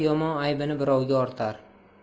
yomon aybini birovga ortar